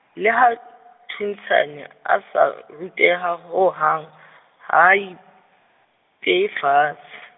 le ha, Thuntshane, a sa, ruteha, ho hang, ha a I peye fatse.